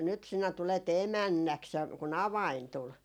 nyt sinä tulet emännäksi ja kun avain tuli